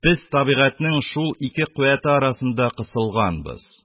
Без табигатьнең шул ике куәте арасында кысылганбыз